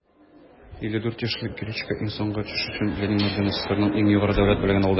54 яшьлек гречко иң соңгы очыш өчен ленин ордены - сссрның иң югары дәүләт бүләген алды.